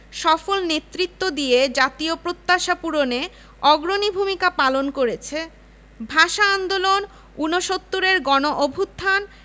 ঐতিহ্যবাহী ঢাকা বিশ্ববিদ্যালয়ের বর্তমান চত্বর এবং এর ছাত্র শিক্ষকরা বাঙালি জাতির রাজনৈতিক অর্থনৈতিক ও সামাজিক অগ্রযাত্রায় বহুলাংশে সাফল্যের দাবিদার